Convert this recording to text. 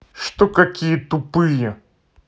что какие тупые